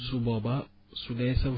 su boobaa su dee sa